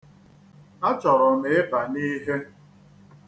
Achọrọ m ịba n'ihe.